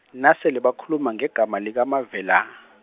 nasele bakhuluma ngegama likaMavela.